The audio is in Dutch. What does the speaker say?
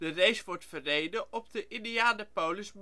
race wordt verreden op de Indianapolis